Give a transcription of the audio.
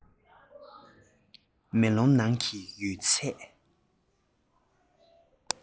མེ ལོང ནང གི ཡོད ཚད